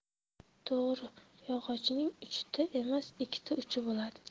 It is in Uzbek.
to'g'ri yog'ochning uchta emas ikkita uchi bo'ladi